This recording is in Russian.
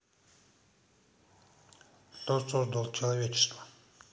кто создал человечество